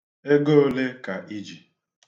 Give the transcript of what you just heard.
Ego ole ka i ji?